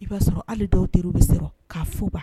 I b'a sɔrɔ hali dɔw de u bɛ sɔrɔ ka foba